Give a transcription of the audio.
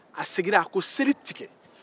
a segira a kan ko seli tigɛ